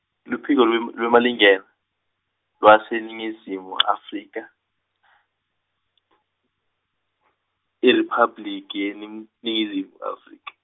Luphiko lw- lwe lweMalingena lwaseNingizimu Afrika , IRiphabliki yeNingizimu Afrik-.